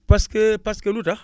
parce que parce que lu tax